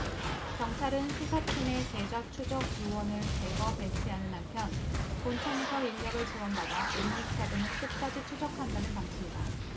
경찰은 수사팀에 계좌추적 요원을 대거 배치하는 한편 본청에서 인력을 지원받아 은닉 자금을 끝까지 추적한다는 방침이다